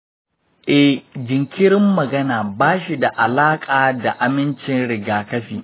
eh, jinkirin magana ba shi da alaƙa da amincin rigakafi.